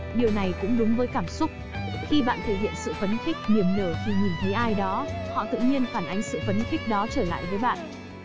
điều này cũng đúng với cảm xúc khi bạn thể hiện sự phấn khích niềm nở khi nhìn thấy ai đó họ tự nhiên phản ánh sự phấn khích đó trở lại với bạn